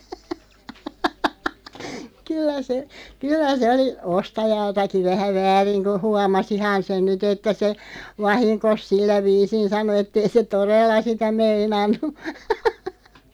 kyllä se kyllä se oli ostajaltakin vähän väärin kun huomasihan sen nyt että se vahingossa sillä viisiin sanoi että ei se todella sitä meinannut